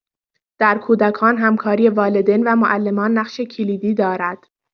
در کودکان، همکاری والدین و معلمان نقشی کلیدی دارد.